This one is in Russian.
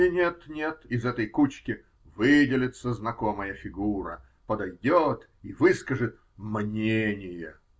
И нет-нет -- из этой кучки выделится знакомая фигура, подойдет и выскажет мнение.